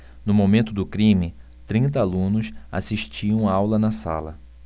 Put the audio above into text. no momento do crime trinta alunos assistiam aula na sala